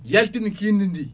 yaltin kindi ndi